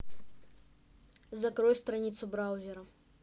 закрой страницу браузера